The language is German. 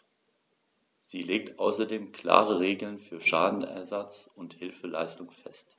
Sie legt außerdem klare Regeln für Schadenersatz und Hilfeleistung fest.